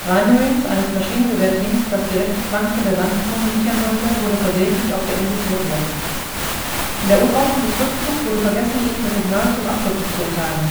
Drei Marines eines Maschinengewehr-Teams, das die rechte Flanke der Landezone sichern sollte, wurde versehentlich auf der Insel zurückgelassen. In der Unordnung des Rückzugs wurde vergessen, ihnen das Signal zum Abrücken zu erteilen.